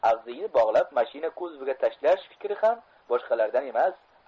avdiyni bog'lab mashina kuzoviga tashlash fikri ham boshqalardan emas